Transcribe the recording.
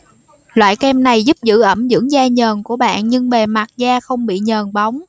loại kem này giúp giữ ẩm dưỡng da nhờn của bạn nhưng bề mặt da không bị nhờn bóng